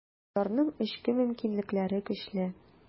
Татарның эчке мөмкинлекләре көчле.